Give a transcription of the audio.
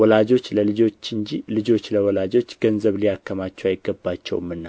ወላጆች ለልጆች እንጂ ልጆች ለወላጆች ገንዘብ ሊያከማቹ አይገባቸውምና